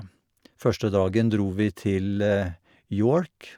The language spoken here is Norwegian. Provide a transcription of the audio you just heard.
Første dagen dro vi til York.